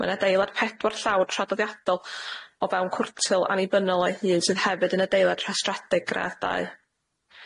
Ma' 'na adeilad pedwar llawr tradoddiadol o fewn cwrtyl annibynnol o'u hun sydd hefyd yn adeilad rhestradig gradd dau.